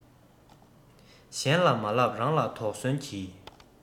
གཞན ལ མ ལབ རང ལ དོགས ཟོན གྱིས